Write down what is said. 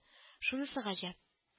Шунысы гаҗәп